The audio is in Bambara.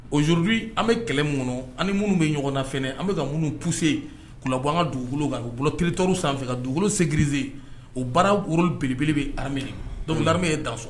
Ojuru an bɛ kɛlɛ minnuunu ani minnu bɛ ɲɔgɔnnaf an bɛ minnu tuse an ka dugukolo kan' bolo kito sanfɛ ka dugukoloegze o baara woro belebele bɛ dɔnkucme ye dan sɔrɔ